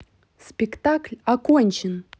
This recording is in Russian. спектакль окончен